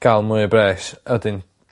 ga'l mwy a bres a 'edyn